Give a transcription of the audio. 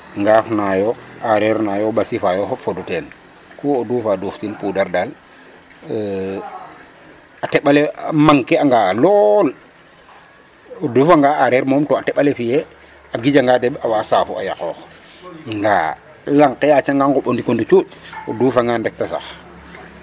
Ngaaf na yo sareer na yo ɓasi fa fop fodu teen ku o duufaa duuftin pudar daal a teƥ ale manquer anga lool o duufangaa aareer moom to a teƥ ale fi'ee a gijanga deɓ a waa saafu a yaqoox ndaa lang ke yaacanga nquɓ o ndik o ndutuñ o duufangaan rek ta sax.